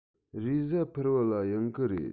རེས གཟའ ཕུར བུ ལ ཡོང གི རེད